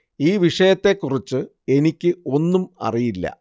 ഈ വിഷയത്തെക്കുറിച്ച് എനിക്ക് ഒന്നും അറിയില്ല